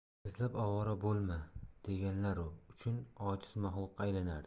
izlab ovora bo'lma deganlar u uchun ojiz maxluqqa aylanardi